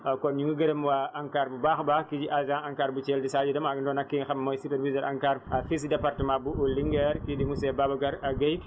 nga mën koo denc denc boo xam ne dafa mucc ayib kon ñu ngi gërëm waa ANCAR bu baax a baax kii di agent ANCAR bu Thiel di Sadio Deme àndoon ak ki nga xam mooy superviseur ANCAR